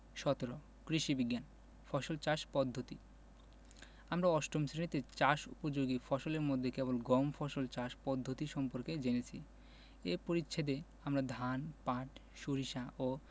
১৭ কৃষি বিজ্ঞান ফসল চাষ পদ্ধতি আমরা অষ্টম শ্রেণিতে চাষ উপযোগী ফসলের মধ্যে কেবল গম ফসল চাষ পদ্ধতি সম্পর্কে জেনেছি এ পরিচ্ছেদে আমরা ধান পাট সরিষা ও